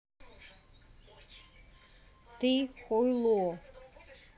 ты хуйло